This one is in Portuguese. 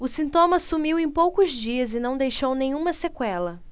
o sintoma sumiu em poucos dias e não deixou nenhuma sequela